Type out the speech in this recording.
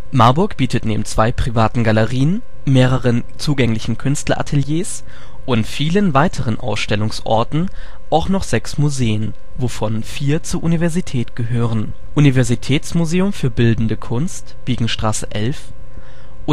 Marburg bietet neben zwei privaten Galerien, mehreren zugänglichen Künstlerateliers und vielen weiteren Ausstellungsorten auch noch sechs Museen, wovon vier zur Universität gehören. Universitätsmuseum für Bildende Kunst, Biegenstr. 11 Universitätsmuseum